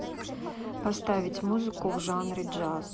поставить музыку в жанре джаз